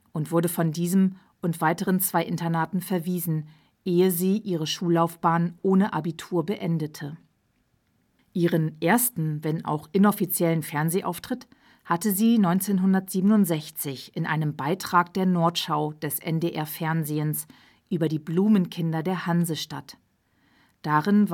und wurde von diesem und weiteren zwei Internaten verwiesen, ehe sie ihre Schullaufbahn ohne Abitur beendete. Ihren ersten – wenn auch inoffiziellen – Fernsehauftritt hatte sie 1967 in einem Beitrag der Nordschau des NDR Fernsehens über die Blumenkinder der Hansestadt. Darin